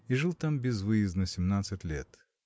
и жил там безвыездно семнадцать лет.